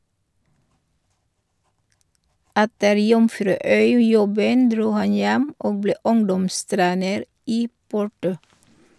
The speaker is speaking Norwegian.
Etter Jomfruøy-jobben dro han hjem og ble ungdomstrener i Porto.